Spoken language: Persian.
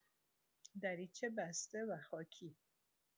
دریچه بسته و خاکی